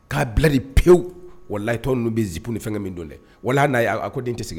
K'a bila de pewu, walayi tɔ ninnu bɛ jupe ni fɛnkɛ min don dɛ, walayi hali n'a a ko den tɛ segin.